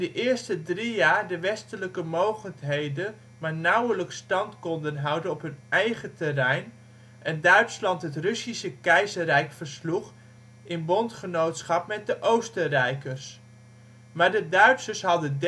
eerste drie jaar de westelijke mogendheden maar nauwelijks stand konden houden op hun eigen terrein en Duitsland het Russische Keizerrijk versloeg in bondgenootschap met de Oostenrijkers. Maar de Duitsers hadden